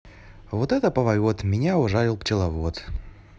вот это поворот меня ужалил пчеловод